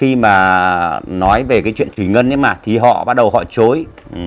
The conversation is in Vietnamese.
khi mà nói về cái chuyện thủy ngân ấy mà thì họ bắt đầu họ chối